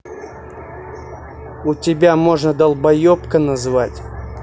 у тебя можно долбоебка назвать